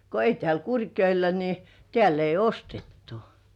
kun ei täällä Kurkijoella niin täällä ei ostettu